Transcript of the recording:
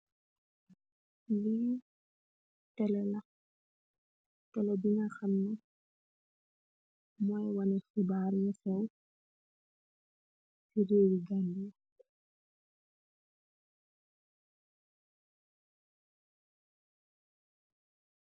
Lii tele la, tele bi nga hamni moi woneh khibarr yi hew c rewi Gambia,